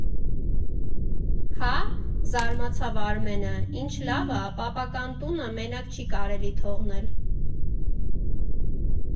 ֊ Հա՞, ֊ զարմացավ Արմենը, ֊ ինչ լավ ա, պապական տունը մենակ չի կարելի թողնել։